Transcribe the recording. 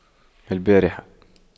البارحة